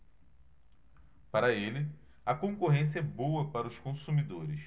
para ele a concorrência é boa para os consumidores